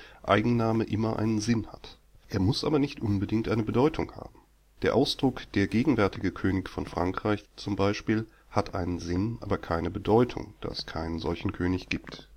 Eigenname „ immer einen Sinn “hat (S. 28). Er muss aber nicht unbedingt eine Bedeutung haben. Der Ausdruck „ der gegenwärtige König von Frankreich “hat z. B. einen Sinn, aber keine Bedeutung (da es keinen solchen König gibt